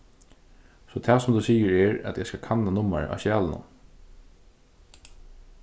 so tað sum tú sigur er at eg skal kanna nummarið á skjalinum